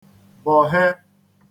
bọ̀he